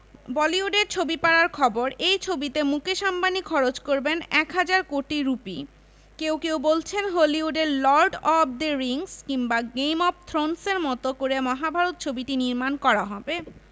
বলিউডের ছবিপাড়ার খবর এই ছবিতে মুকেশ আম্বানি খরচ করবেন এক হাজার কোটি রুপি কেউ কেউ বলছেন হলিউডের লর্ড অব দ্য রিংস কিংবা গেম অব থ্রোনস এর মতো করে মহাভারত ছবিটি নির্মাণ করা হবে